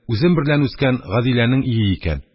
Үзем берлән үскән Гадиләнең өе икән.